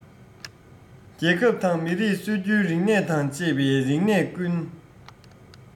རྒྱལ ཁབ དང མི རིགས སྲོལ རྒྱུན རིག གནས དང བཅས པའི རིག གནས ཀུན